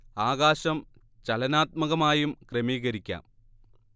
ആകാശം ചലനാത്മകമായും ക്രമീകരിക്കാം